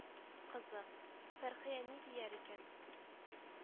Кызык, Фәрхия ни дияр икән